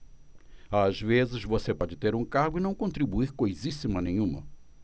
às vezes você pode ter um cargo e não contribuir coisíssima nenhuma